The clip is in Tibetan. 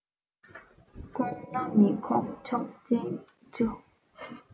བཀུག ན མི ཁུག འཁྱོག ཅིང གཅུ